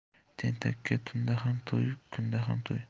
tentakka tunda ham to'y kunda ham to'y